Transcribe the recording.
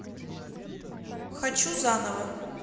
хочу заново